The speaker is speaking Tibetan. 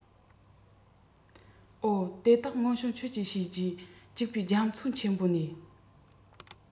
འོ དེ དག སྔོན བྱུང ཁྱོད ཀྱི བྱས རྗེས སྐྱུག པའི རྒྱ མཚོ ཆེན པོ ནས